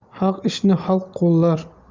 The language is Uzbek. haq ishni xalq qo'llar